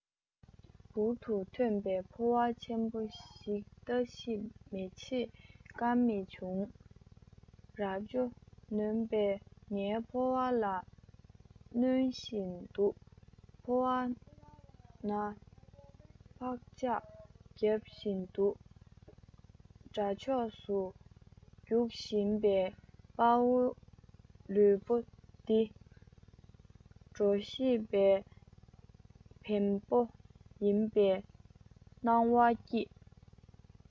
འབུར དུ ཐོན པའི ཕོ བ ཆེན པོ ཞིབ ལྟ ཞིག མི བྱེད ཀ མེད བྱུང རྭ ཅོ རྣོན པོས ངའི ཕོ བ ལ བསྣུན བཞིན འདུག ཕོ བ ན འཕག འཚག རྒྱག བཞིན འདུག དགྲ ཕྱོགས སུ རྒྱུག བཞིན པའི དཔའ བོ ལུས པོ འདི འགྲོ ཤེས པའི བེམ པོ ཡིན པའི སྣང བ སྐྱེས